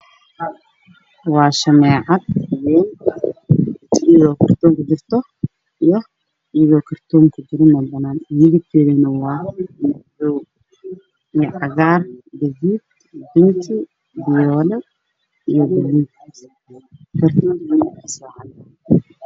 Waa sameecad wayn oo kartoon kujirto iyo ayadoo banaanka taalo midabkeedu waa madow , cadaan, fiyool iyo cagaar iyo gaduud, kartoonka waa cadaan.